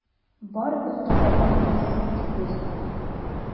Барыбер таба алмассыз, дип язган.